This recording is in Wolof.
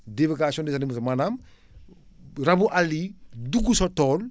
divigation des animaux maanaam rabu àll yi dugg sa tool